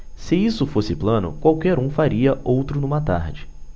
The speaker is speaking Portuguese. se isso fosse plano qualquer um faria outro numa tarde